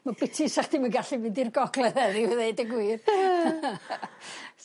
Ma'n biti 'sach chdim yn gallu fynd i'r Gogledd heddi a ddweud y gwir.